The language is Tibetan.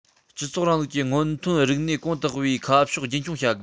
སྤྱི ཚོགས རིང ལུགས ཀྱི སྔོན ཐོན རིག གནས གོང དུ སྤེལ བའི ཁ ཕྱོགས རྒྱུན འཁྱོངས བྱ དགོས